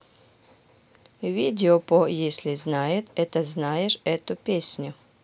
видео по если знает это знаешь эту песню